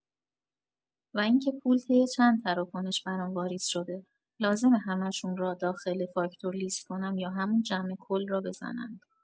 و اینکه پول طی چند تراکنش برام واریز شده، لازمه همشون را داخل فاکتور لیست کنم یا همون جمع کل را بزنند؟